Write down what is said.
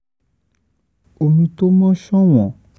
Omi tó mọ́ ṣọ̀wọ́n."